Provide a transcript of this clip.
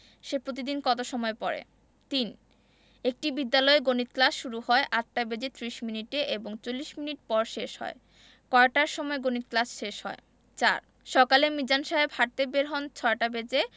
সে প্রতিদিন কত সময় পড়ে ৩ একটি বিদ্যালয়ে গণিত ক্লাস শুরু হয় ৮টা বেজে ৩০ মিনিট এবং ৪০ মিনিট পর শেষ হয় কয়টার সময় গণিত ক্লাস শেষ হয় ৪ সকালে মিজান সাহেব হাঁটতে বের হন ৬টা বেজে